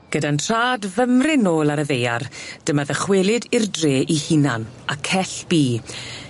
Gyda'n trad fymryn nôl ar y ddaear dyma ddychwelyd i'r dre 'i hunan, a cell bi